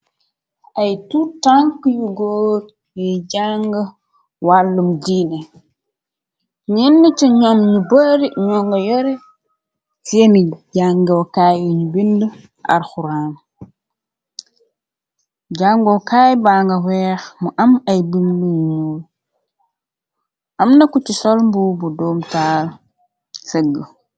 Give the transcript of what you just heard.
Aye tut tanke yu góor yuy jànge wàllum diine nyene che ñoom ñu bare ño nga yore séeni jàngookaay yun binde arxuran jàngookaay banga weex mu am ay binde yu nuul amna ku che sol mubu bu doom taal segge.